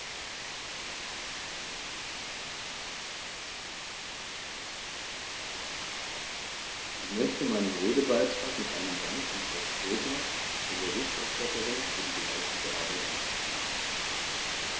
Ich möchte meinen Redebeitrag mit einem Dank an Frau Schroedter, der Berichterstatterin, für die geleistete Arbeit einleiten.